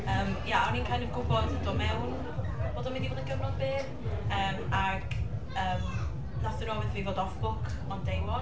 Yym, ia, o'n i'n kind of gwybod yn dod mewn bod o'n mynd i fod yn gyfnod byr. Yym ac, yym, wnaethon nhw ofyn wrtho fi fod off-book on day one.